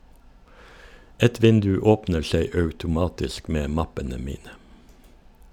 Et vindu åpner seg automatisk med mappene mine.